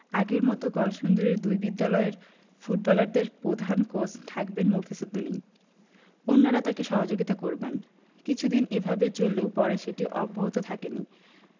আগের মতো কলসিন্দুরের দুই বিদ্যালয়ের ফুটবলারদের প্রধান কোচ থাকবেন মফিজ উদ্দিনই অন্যরা তাঁকে সহযোগিতা করবেন কিছুদিন এভাবে চললেও পরে সেটি অব্যহত থাকেনি